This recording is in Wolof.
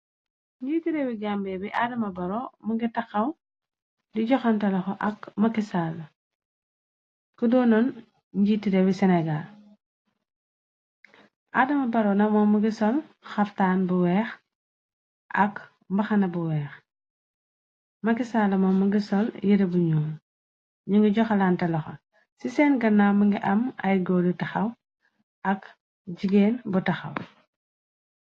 njiitiree wi gambe bi adama baro mu ngi taxaw di joxante loxo ak makisaal ko doonoon njiitirewi senegal adama barona moo ma gisol xaftaan bu weex ak mbaxana bu weex makisaala moo mëngi sol yere buñu ñu ngi joxalante loxo ci seen ganna mëngi am ay góoru taxaw ak jigeen bu taxaw